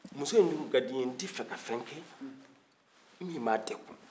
muso in dun ka di n ye n tɛ fɛ ka fɛn kɛ min b'a degun